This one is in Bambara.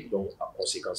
Dɔw a ko si ka so